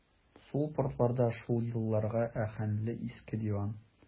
Сул порталда шул елларга аһәңле иске диван.